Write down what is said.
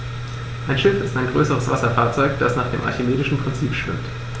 Ein Schiff ist ein größeres Wasserfahrzeug, das nach dem archimedischen Prinzip schwimmt.